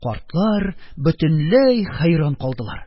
Картлар бөтенләй хәйран калдылар.